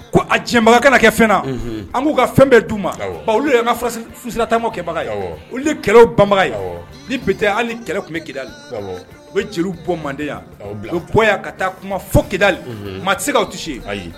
Ko a cɛbaga kɛ fɛnna an k'u ka fɛn bɛɛ' u ma olu kafasila taamamakɛbaga olu ni kɛlɛ ban ye ni bite hali kɛlɛ tun bɛli u bɛ jeliw bɔ mande yan bɔ ka taa kuma fo kidali maa se ka tɛ se ayi